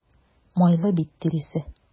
Майлы бит тиресе.